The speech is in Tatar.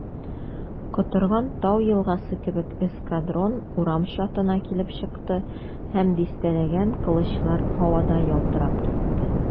Котырган тау елгасы кебек эскадрон урам чатына килеп чыкты, һәм дистәләгән кылычлар һавада ялтырап китте.